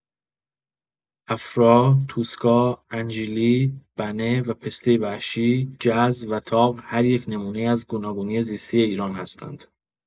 افرا، توسکا، انجیلی، بنه و پسته وحشی، گز و تاغ هر یک نمونه‌ای از گوناگونی زیستی ایران هستند.